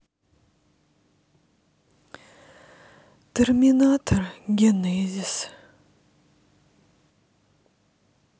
терминатор генезис